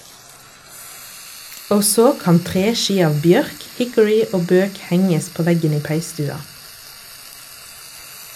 Og så kan treski av bjørk, hickory og bøk henges på veggen i peisestua.